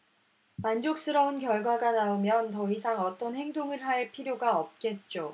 만족스러운 결과가 나오면 더 이상 어떤 행동을 할 필요가 없겠죠